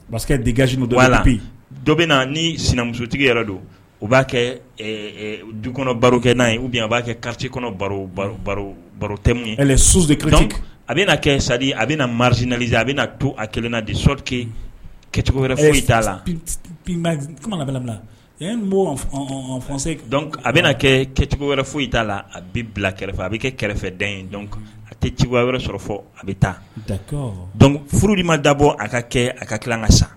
Masakɛ di ga don la bi dɔ bɛ na ni sinamusotigi yɛrɛ don u b'a kɛ du kɔnɔ baro kɛ n'a ye u a b'a kɛ kariti kɔnɔ baro baro ye a bɛ kɛ sadi a bɛna na mari naliz a bɛna to a kelen na de sɔrike kɛcogo wɛrɛ foyi t'a la a bɛ kɛ kɛcogo wɛrɛ foyi t' la a bɛ bila kɛrɛfɛ a bɛ kɛ kɛrɛfɛ da ye a tɛ ci wɛrɛ sɔrɔ fɔ a bɛ taac furu ma dabɔ a ka kɛ a ka ka san